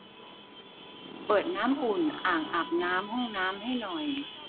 เปิดน้ำอุ่นอ่างอาบน้ำห้องน้ำให้หน่อย